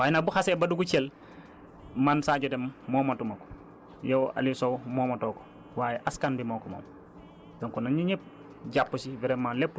mais tamit yaakaar la moo tax ñu indi ko Thiel waaye na bu xasee ba dugg Thiel man Sadio Deme moomatuma ko yow Aliou Sow moomatoo ko waaye askan bi moo ko moom